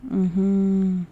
Unhun